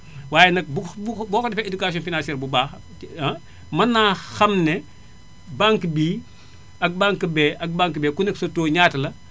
waaye nag bu bu boo ko defee éducation financière bu baax ah mën naa xam ne banque bii ak banque bee ak banque bee ku nekk sa taux ñaata la